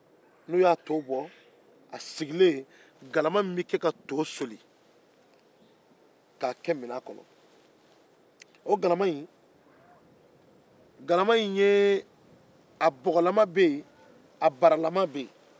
galama min bɛ kɛ ka do bɔ k'a kɛ kunan kɔnɔ bɔgɔlama bɛ yen a baralama fana bɛ yen